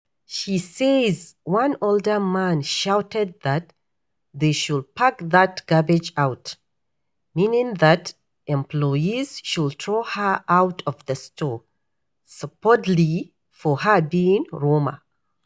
She says one older man shouted that they "should pack that garbage out", meaning that employees should throw her out of the store, supposedly for her being Roma.